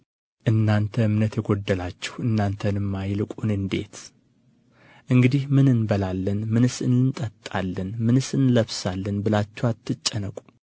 እናንተ እምነት የጎደላችሁ እናንተንማ ይልቁን እንዴት እንግዲህ ምን እንበላለን ምንስ እንጠጣለን ምንስ እንለብሳለን ብላችሁ አትጨነቁ